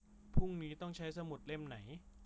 พรุ่งนี้ต้องใช้สมุดเล่มไหน